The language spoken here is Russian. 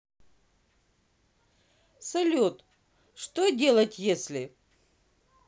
салют что делать если